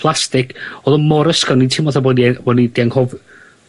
plastic, odd o mor ysgafn o'n i'n teimlo fatha bo'n i yy bo'n i 'di anghof-